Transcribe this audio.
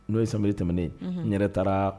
N'o ye samedi tɛmɛnen, n yɛrɛ taara.